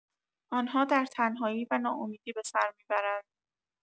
آنها در تنهایی و ناامیدی به سر می‌برند.